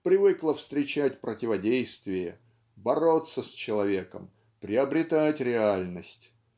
привыкла встречать противодействие бороться с человеком приобретать реальность.